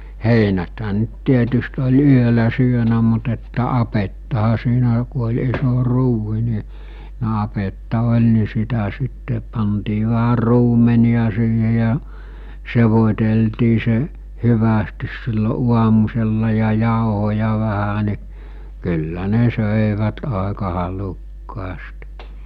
heinäthän nyt tietysti oli yöllä syönyt mutta että apettahan siinä kun oli iso ruuhi niin niin apetta oli niin sitä sitten pantiin vähän ruumenia siihen ja sekoiteltiin se hyvästi silloin aamusella ja jauhoja vähän niin kyllä ne söivät aika halukkaasti